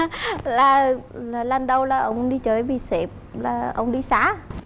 là là lần đầu là ông đi chơi với sếp là ông đi xa